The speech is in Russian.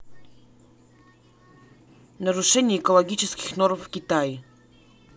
нарушение экологических норм в китае